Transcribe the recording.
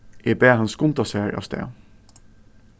eg bað hann skunda sær avstað